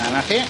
'Na chi.